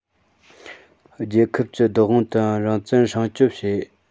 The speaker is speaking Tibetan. རྒྱལ ཁབ ཀྱི བདག དབང དང རང བཙན སྲུང སྐྱོང བྱེད